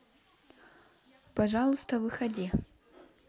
пожалуйста выходи